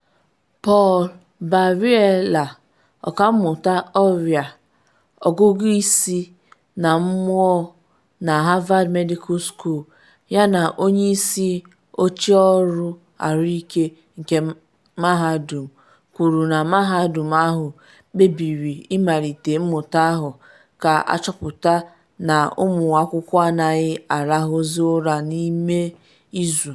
Paul Barreira, ọkammụta ọrịa ọgụgụ isi na mmụọ na Harvard Medical School yana onye isi oche ọrụ ahụike nke mahadum, kwuru na mahadum ahụ kpebiri ịmalite mmụta ahụ ka achọpụtara na ụmụ akwụkwọ anaghị arahụzu ụra n’ime izu.